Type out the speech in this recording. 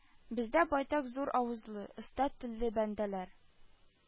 Бездә байтак зур авызлы, оста телле бәндәләр,